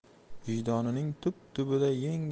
vijdonining tub tubida